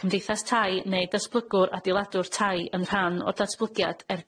Cymdeithas Tai neu datblygwr adeiladwr tai yn rhan o'r datblygiad